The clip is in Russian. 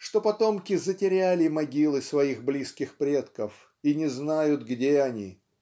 что потомки затеряли могилы своих близких предков и не знают где оне.